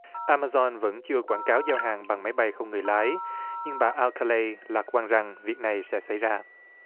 a ma rôn vẫn chưa quảng cáo giao hàng bằng máy bay không người lái nhưng bà ao tơ lây lạc quan rằng việc này sẽ xảy ra